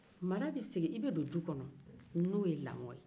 mara bɛ segin i bɛ don du kɔnɔ n'o ye lamɔ ye